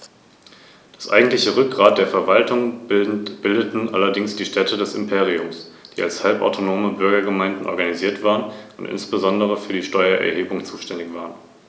Handel, Künste und Kultur erreichten während der Zeit des Römischen Reiches, vor allem in der Kaiserzeit, in Teilen seines Gebietes eine Hochblüte, die damalige Lebensqualität und der entsprechende Bevölkerungsstand sollten in Europa und Nordafrika erst Jahrhunderte später wieder erreicht werden.